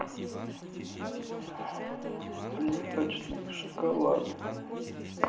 плиточный шоколад